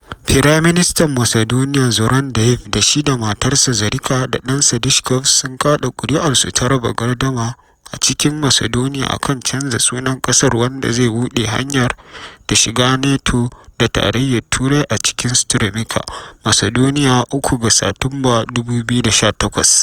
Firaministan Macedonia Zoran Zaev, da shi da matarsa Zorica da ɗansa Dushko sun kaɗa kuri’arsu ta raba gardamar a cikin Macedonia a kan canza sunan ƙasar wanda zai buɗe hanya da shiga NATO da Tarayyar Turai a cikin Strumica, Macedonia 3 ga Satumba, 2018.